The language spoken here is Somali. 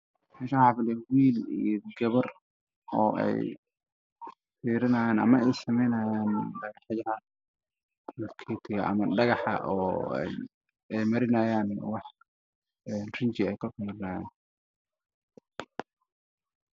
Waa nin iyo naag meel fadhiyaan oo gacanta ku haya dhagax waxaa ka dambeeyay geedo ciyaar cows ah